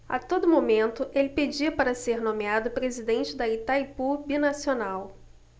a todo momento ele pedia para ser nomeado presidente de itaipu binacional